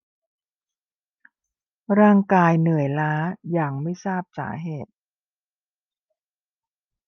ร่างกายเหนื่อยล้าอย่างไม่ทราบสาเหตุ